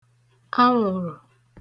anwụ̀rụ̀